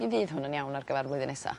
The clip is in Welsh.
mi fydd hwn yn iawn ar gyfar flwyddyn nesa.